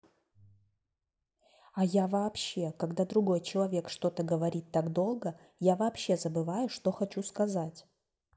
а я вообще когда другой человек что то говорит так долго я вообще забываю что хочу сказать